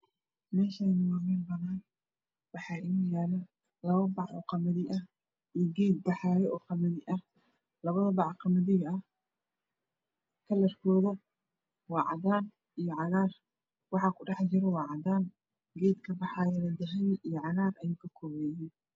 Meshan waa mel banan ah wax ino yalo labo bac oo qamadi ah iyo geed baxayo oo qamadi ah labo nac kalar kode waa cadan iyo cagar iyo cadan geedkan waa dahabi iyo cagar